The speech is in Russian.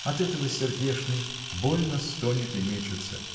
от этого, сердечный, больно стонет и мечется